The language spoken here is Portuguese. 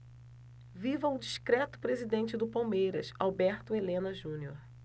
viva o discreto presidente do palmeiras alberto helena junior